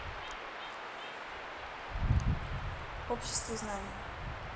общество знания